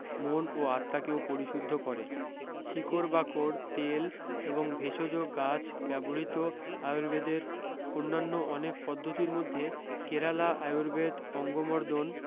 মন ও আত্মাকেও পরিশুদ্ধ করে শিকড় বাকড় তেল এবং ভেষজ গাছ ব্যবহৃত আয়র্বেদের অন্যান্য অনেক পদ্ধতির মধ্যে কেরালা আয়র্বেদ অঙ্গমর্দন